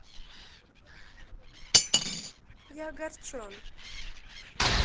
я огорчон